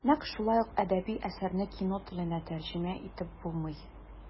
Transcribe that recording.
Нәкъ шулай ук әдәби әсәрне кино теленә тәрҗемә итеп булмый.